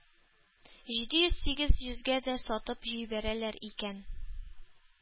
Җиде йөз сигез йөзгә дә сатып җибәрәләр икән.